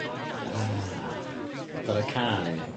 Ah, dyro cân i fi.